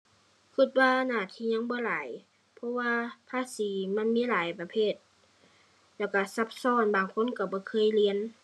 คิดว่าหน้าที่ยังบ่หลาย เพราะว่าภาษีมันมีหลายประเภท แล้วคิดซับซ้อน บางคนคิดบ่เคยเรียน